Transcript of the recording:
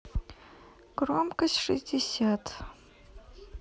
громкость шестьдесят